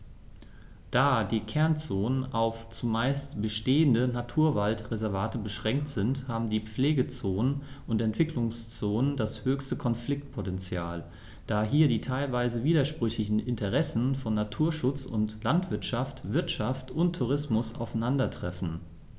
Da die Kernzonen auf – zumeist bestehende – Naturwaldreservate beschränkt sind, haben die Pflegezonen und Entwicklungszonen das höchste Konfliktpotential, da hier die teilweise widersprüchlichen Interessen von Naturschutz und Landwirtschaft, Wirtschaft und Tourismus aufeinandertreffen.